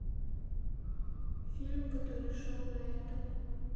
фильм который шел до этого